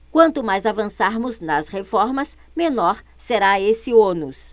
quanto mais avançarmos nas reformas menor será esse ônus